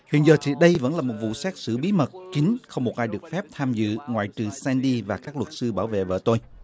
hiện giờ thì đây vẫn là một vụ xét xử bí mật kín không một ai được phép tham dự ngoại trừ sen đi và các luật sư bảo vệ vợ tôi